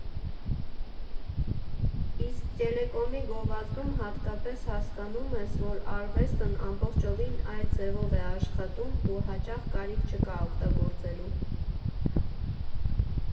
Իսկ տելեկոմի գովազդում հատկապես հասկանում ես, որ արվեստն ամբողջովին այլ ձևով է աշխատում ու հաճախ կարիք չկա օգտագործելու։